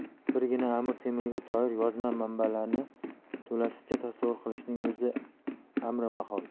birgina amir temurga doir yozma manbalarni to'lasicha tasavvur qilishning o'zi amrimahol